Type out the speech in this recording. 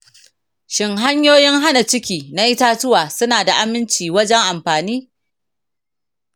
shin hanyoyin hana ciki na itatuwa suna da aminci wajen amfani?